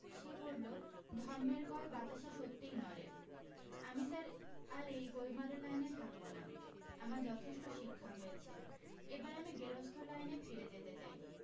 সে বললো ধমমের কল বাতাসে সত্যিই নড়ে আমি স্যার আর এই গোলমালের লাইনে থাকবো না আমার যথেষ্ট শিক্ষা হয়েছে এবার আমি গেরস্থ লাইনে ফিরে যেতে চাই